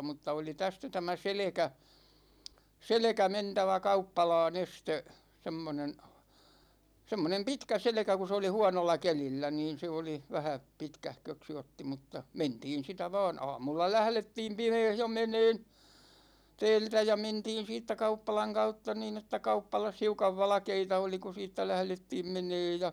mutta oli tästä tämä selkä selkä mentävä kauppalaan ensisti semmoinen semmoinen pitkä selkä kun se oli huonolla kelillä niin se oli vähän pitkähköksi otti mutta mentiin sitä vain aamulla lähdettiin pimeässä jo menemään täältä ja mentiin siitä kauppalan kautta niin että kauppalassa hiukan valkeita oli kun siitä lähdettiin menemään ja